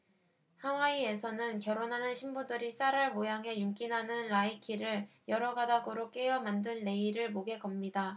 하와이에서는 결혼하는 신부들이 쌀알 모양의 윤기 나는 라이키를 여러 가닥으로 꿰어 만든 레이를 목에 겁니다